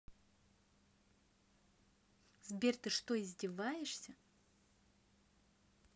сбер ты что издеваешься